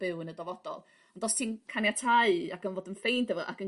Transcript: byw yn y dyfodol ond os ti'n caniatáu ac yn fod yn ffeind efo ac yn